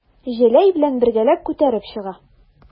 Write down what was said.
Җәләй белән бергәләп күтәреп чыга.